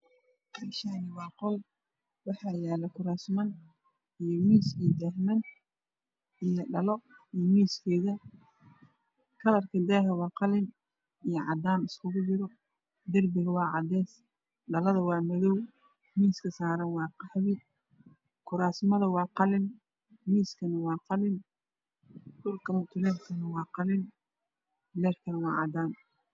Mashan waa qol waxaa yalo kurasman iyo mis iyo dahman iyo dhalo iyo mis keda kalar daha waa qalin iyo cadan darbiga waa cades dhalad waa madow miska saran waa qahwi kurasman waa qalin dhulka mutalelk waa qalin leerkana waa cadan